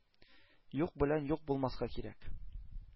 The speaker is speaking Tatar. ”юк белән юк булмаска кирәк.